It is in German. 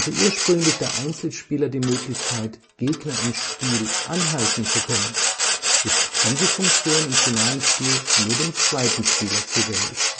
ursprünglich der Einzelspieler die Möglichkeit, Gegner im Spiel anhalten zu können, ist diese Funktion im finalen Spiel nur dem zweiten Spieler zugänglich